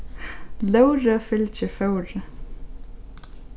lóðrið fylgir fóðri